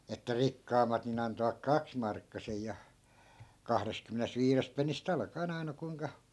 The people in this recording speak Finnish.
että rikkaammat niin antoivat kaksimarkkasen ja kahdestakymmenestä viidestä pennistä alkaen aina kuinka